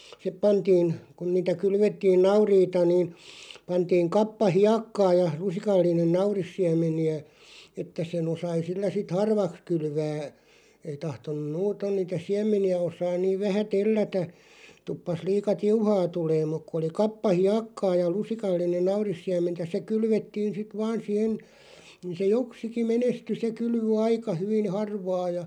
sitten pantiin kun niitä kylvettiin nauriita niin pantiin kappa hiekkaa ja lusikallinen naurissiemeniä että sen osasi sillä sitten harvaksi kylvää ei tahtonut muuten niitä siemeniä osata niin vähän tellätä tuppasi liian tiuhaan tulemaan mutta kun oli kappa hiekkaa ja lusikallinen naurissiementä se kylvettiin sitten vain siihen niin se joksikin menestyi se kylvö aika hyvin harvaa ja